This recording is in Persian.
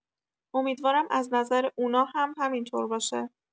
امیدوارم از نظر اونا هم همینطور باشه.